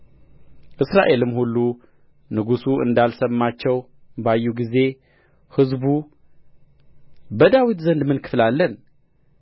እስራኤልም ሁሉ ንጉሡ እንዳልሰማቸው ባዩ ጊዜ ሕዝቡ በዳዊት ዘንድ ምን ክፍል አለን